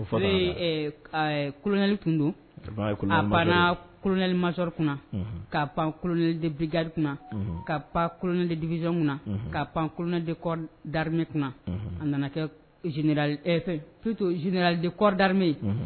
Fɔlɔ bɛ kolonyali kun don a banna kolonɛli masɔrɔri kunna ka pan kolonlielebdri kunna ka pan kolonɛlidibiz kunna ka panɛli dare kunna a nana kɛ tu to zinaraliɔridarmee ye